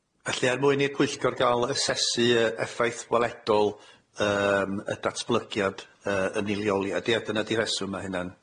Felly er mwyn i'r Pwyllgor ga'l asesu yy effaith weledol yym y datblygiad yy yn ei leoliad, ia, dyna di rheswm ma' hynna'n?